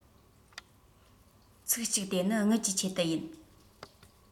ཚིག གཅིག དེ ནི དངུལ གྱི ཆེད དུ རེད